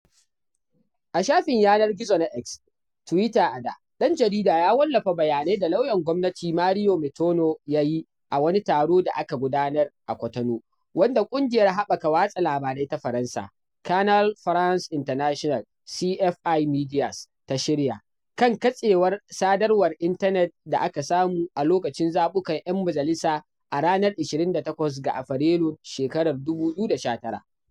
A shafin yanar gizo na X (Twitter a da), ɗan jarida ya wallafa bayanai da lauyan gwamnati, Mario Metonou, yayi a wani taron da aka gudanar a Kwatano, wanda ƙungiyar haɓaka watsa labarai ta Faransa, Canal France International (CFI Médias) ta shirya, kan katsewar sadarwar intanet da aka samu a lokacin zaɓukan 'yan majalisa a ranar 28 ga Afrilun shekarar 2019.